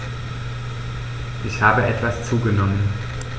Ich habe etwas zugenommen